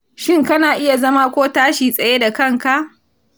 shin kana iya zama ko tashi tsaye da kanka?